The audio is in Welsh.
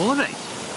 O reit.